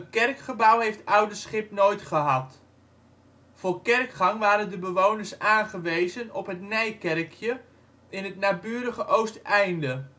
kerkgebouw heeft Oudeschip nooit gehad. Voor kerkgang waren de bewoners aangewezen op het Nijkerkje in het naburige Oosteinde